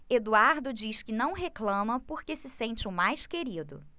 eduardo diz que não reclama porque se sente o mais querido